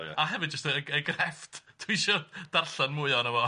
Yy a hefyd jyst y- yy grefft dwi isio darllen mwy ohono fo.